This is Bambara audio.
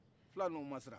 fula ninnu ma siran